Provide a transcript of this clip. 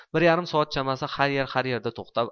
bir yarim soat chamasi har yer har yerda to'xtab